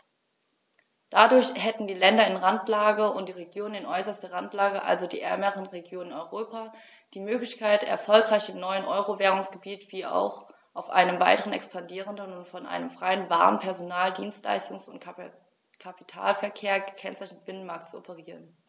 Dadurch hätten die Länder in Randlage und die Regionen in äußerster Randlage, also die ärmeren Regionen in Europa, die Möglichkeit, erfolgreich im neuen Euro-Währungsgebiet wie auch auf einem weiter expandierenden und von einem freien Waren-, Personen-, Dienstleistungs- und Kapitalverkehr gekennzeichneten Binnenmarkt zu operieren.